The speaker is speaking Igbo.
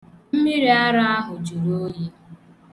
Mmiriara ahụ juru oyi.